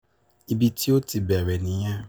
Ibi ti o ti bẹrẹ niyi.